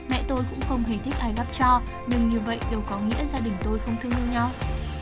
mẹ tôi cũng không hề thích ai gắp cho nhưng như vậy đâu có nghĩa gia đình tôi không thương yêu nhau